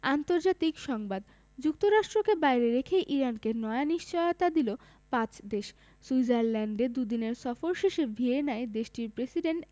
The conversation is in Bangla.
আন্তর্জাতিক সংবাদ যুক্তরাষ্ট্রকে বাইরে রেখেই ইরানকে নয়া নিশ্চয়তা দিল পাঁচ দেশ সুইজারল্যান্ডে দুদিনের সফর শেষে ভিয়েনায় দেশটির প্রেসিডেন্ট